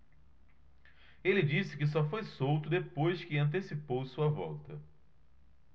ele disse que só foi solto depois que antecipou sua volta